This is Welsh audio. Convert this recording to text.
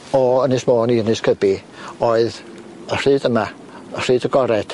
o Ynys Môn i Ynys Cybi oedd y rhyd yma, rhyd agored.